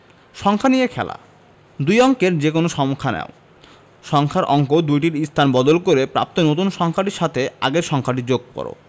সংখ্যা নিয়ে খেলা দুই অঙ্কের যেকোনো সংখ্যা নাও সংখ্যার অঙ্ক দুইটির স্থান বদল করে প্রাপ্ত নতুন সংখ্যাটির সাথে আগের সংখ্যাটি যোগ কর